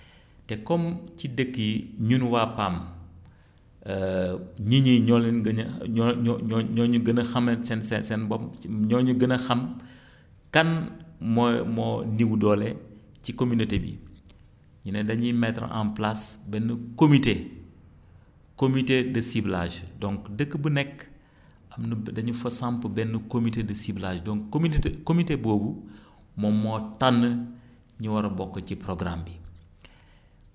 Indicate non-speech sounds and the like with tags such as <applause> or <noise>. <breath> te comme ci dëkk yi ñun waa PAM <hesitation> nit ñi ñoo leen gën a ñoo ñoo ñoo ñoo ñu gën a xamante seen seen seen bopp ñoo ñu gën a xam <breath> kan mooy moo néew doole ci communauté bi <smacks lips> ñu ne dañuy mettre en place benn comité comité de cyblage donc dëkk bu nekk am na ba dañu fa samp benn comité de cyblage donc comité boobu <breath> moom moo tànn ñi war a bokk ci prtogramme bi <smacks lips>